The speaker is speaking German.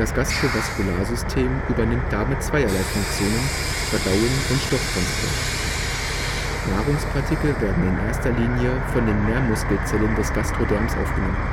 Gastrovaskularsystem übernimmt damit zweierlei Funktionen, Verdauung und Stofftransport. Nahrungspartikel werden in erster Linie von den Nährmuskelzellen des Gastroderms aufgenommen